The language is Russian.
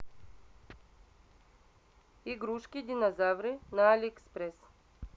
игрушки динозавры на алиэкспресс